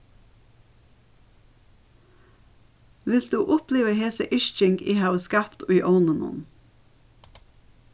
vilt tú uppliva hesa yrking eg havi skapt í ovninum